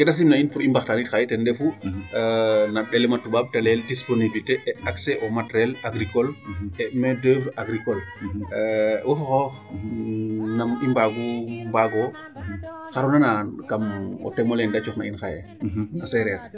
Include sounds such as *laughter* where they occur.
D'fra accord ke da simna in pour i mbaxtaanit xaye te ten refu *hesitation* na ndelemu toubab ta layel disponiblité accées au matériel agricole et main d' oeuvre agricole wo fa xooxof nam i mbaagu mbaag o xar o nanaa kam o thème oleene da cooxna in xaye na seereer.